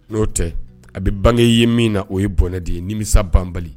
N' oo tɛ a bɛ bange ye min na o ye bɔnɛ de ye nimisa banbali